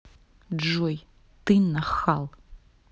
джой ты нахал